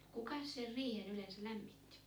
kukas sen riihen yleensä lämmitti